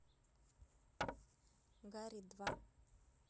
гарри два